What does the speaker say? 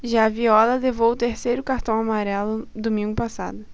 já viola levou o terceiro cartão amarelo domingo passado